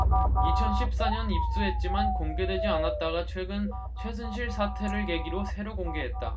이천 십 사 년 입수했지만 공개되지 않았다가 최근 최순실 사태를 계기로 새로 공개했다